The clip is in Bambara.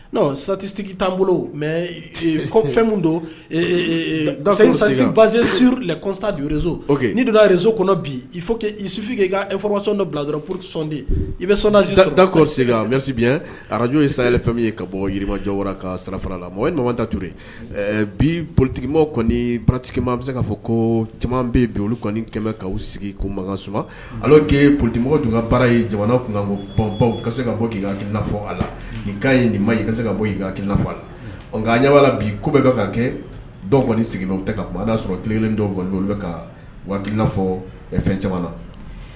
Satitigi tan bolo mɛ fɛn don lare donnarez kɔnɔ bi sufinsɔn dɔ bila pdi i bɛsi arajo fɛn ye ka bɔ yirijɔ ka sarara la mɔgɔ ye ta tuur bi politigikima kɔnitima bɛ se k'a fɔ ko caman bɛ bi olu kɔni kɛmɛ ka sigi ko makan su polidimɔgɔ dun ka baara ye ka bɔ ka se ka bɔfɔ a la ka nin ka se ka bɔ la a la ɲɛla bi ko bɛ ka kɛ dɔw kɔni sigi ka kuma y'a sɔrɔ tile kelen dɔw bɛ ka waatifɔ fɛn caman